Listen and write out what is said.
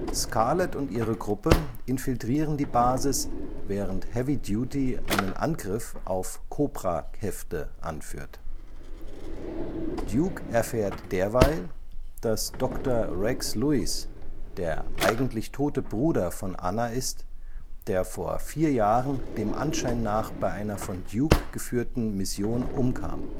Scarlet und ihre Gruppe infiltrieren die Basis, während Heavy Duty einen Angriff auf Cobra-Kräfte anführt. Duke erfährt derweil, dass Doktor Rex Lewis der eigentlich tote Bruder von Ana ist, der vor vier Jahren dem Anschein nach bei einer von Duke geführten Mission umkam